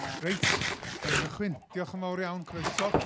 Reit, wnawn ni gychwyn. Diolch yn fawr iawn, croeso.